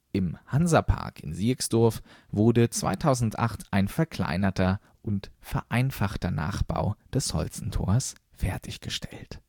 Im Hansa-Park in Sierksdorf wurde 2008 ein verkleinerter und vereinfachter Nachbau des Holstentors fertiggestellt